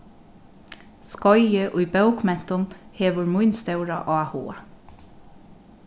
skeiðið í bókmentum hevur mín stóra áhuga